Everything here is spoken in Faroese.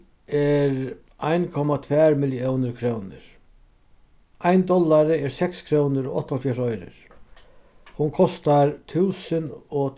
er ein komma tvær milliónir krónur ein dollari er seks krónur og áttaoghálvfjerðs oyrur hon kostar túsund og